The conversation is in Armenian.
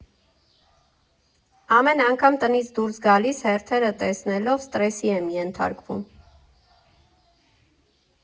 Ամեն անգամ տնից դուրս գալիս հերթերը տեսնելով՝ սթրեսի եմ ենթարկվում։